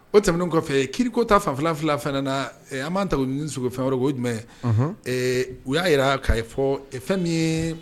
O tɛmɛnen kɔfɛ kirikota fanfɛla fana ka, an b'an ta ni ɲin sigi fɛn wɛrɛ kan o ye jumɛn ye u y'a jira kayɛ fɔ fɛn min ye